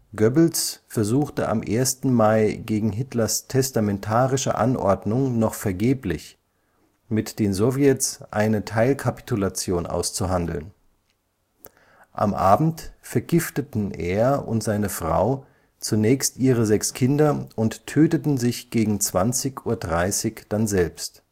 Goebbels versuchte am 1. Mai gegen Hitlers testamentarische Anordnung noch vergeblich, mit den Sowjets eine Teilkapitulation auszuhandeln. Am Abend vergifteten er und seine Frau zunächst ihre sechs Kinder und töteten sich gegen 20:30 Uhr dann selbst